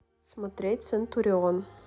смотреть центурион